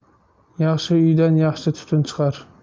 yaxshi uydan yaxshi tutun chiqar